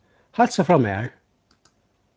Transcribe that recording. heilsa frá mær